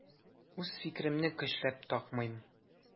Үз фикеремне көчләп такмыйм.